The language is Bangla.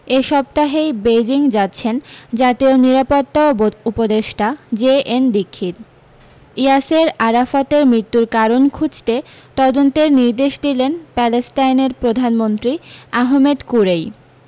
এ সপ্তাহেই বেজিং যাচ্ছেন জাতীয় নিরাপত্তা উপদেষ্টা জে এন দীক্ষিত ইয়াসের আরাফাতের মৃত্যুর কারণ খুঁজতে তদন্তের নির্দেশ দিলেন প্যালেস্তাইনের প্রধানমন্ত্রী আহমেদ কূরেই